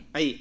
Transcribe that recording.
a yiyii